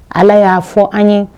Ala y'a fɔ an ye